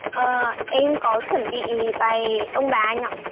ờ em có chuẩn bị bài ông bà anh ạ